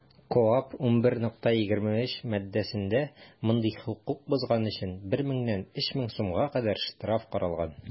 КоАП 11.23 маддәсендә мондый хокук бозган өчен 1 меңнән 3 мең сумга кадәр штраф каралган.